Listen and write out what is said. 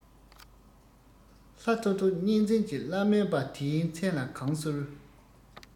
ལྷ ཐོ ཐོ གཉན བཙན གྱི བླ སྨན པ དེའི མཚན ལ གང གསོལ